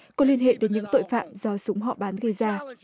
có liên hệ đến những tội phạm do súng họ bán gây ra